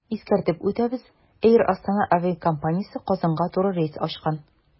Искәртеп үтәбез, “Эйр Астана” авиакомпаниясе Казанга туры рейс ачкан.